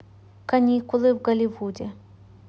каникулы в голливуде